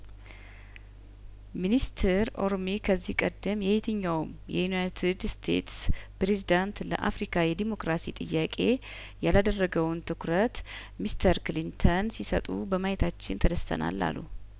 ሚኒስትር ኦር ሜ ከዚህ ቀደም የትኛውም የዩናይትድ ስቴትስ ፕሬዝዳንት ለአፍሪካ የዴሞክራሲ ጥያቄ ያላደረገውን ትኩረት ሚስተር ክሊንተን ሲሰጡ በማየታችን ተደስተናል አሉ